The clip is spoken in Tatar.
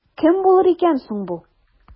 Кем булыр икән соң бу?